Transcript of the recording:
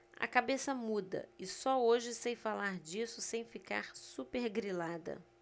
a cabeça muda e só hoje sei falar disso sem ficar supergrilada